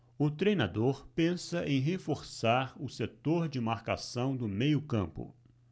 o treinador pensa em reforçar o setor de marcação do meio campo